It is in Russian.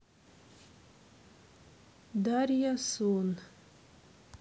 дарья сон